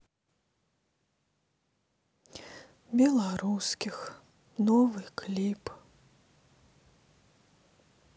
белорусских новый клип